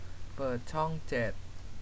เปิดช่องเจ็ด